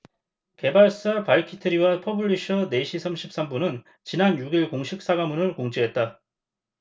개발사 벌키트리와 퍼블리셔 네시삼십삼분은 지난 육 일 공식 사과문을 공지했다